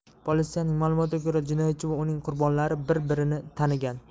politsiyaning ma'lumotlariga ko'ra jinoyatchi va uning qurbonlari bir birini tanigan